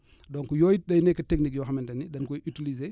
donc yooyu day nekk technique yoo xamante ne dañu koy utiliser